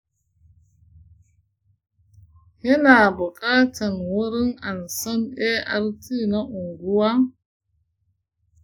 kina buƙatan wurin ansan art na unguwa?